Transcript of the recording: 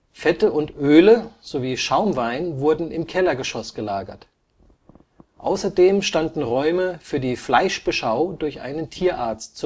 Fette und Öle, sowie Schaumwein wurden im Kellergeschoss gelagert. Außerdem standen Räume für die Fleischbeschau durch einen Tierarzt